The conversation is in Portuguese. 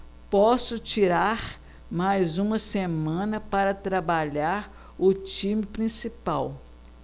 posso tirar mais uma semana para trabalhar o time principal